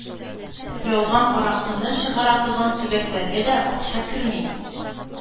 Ялган аракыны чыгара торган төбәкләргә дә акча керми.